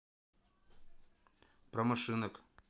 про машинок